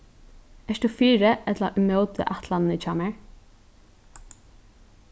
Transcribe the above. ert tú fyri ella ímóti ætlanini hjá mær